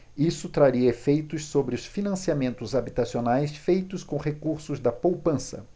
isso traria efeitos sobre os financiamentos habitacionais feitos com recursos da poupança